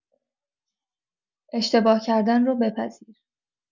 اشتباه کردن رو بپذیر.